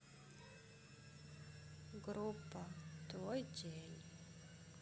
группа твой день